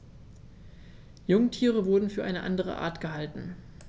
Jungtiere wurden für eine andere Art gehalten.